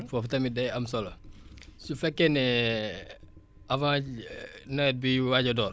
foofu tamit day am solo su fekkee ne avant nawet biy waaj a door